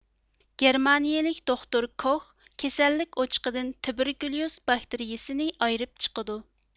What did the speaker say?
گېرمانىيىلىك دوختۇر كوخ كېسەللىك ئوچىقىدىن تۇبېركۇليۇز باكتىرىيىسىنى ئايرىپ چىقىدۇ